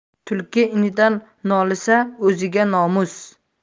tulki inidan nolisa o'ziga nomus